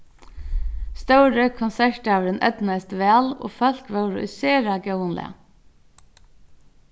stóri konsertdagurin eydnaðist væl og fólk vóru í sera góðum lag